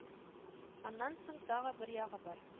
Аннан соң, тагы бер ягы бар